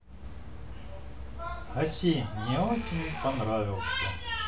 гаси мне очень понравился